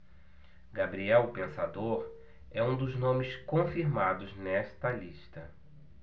gabriel o pensador é um dos nomes confirmados nesta lista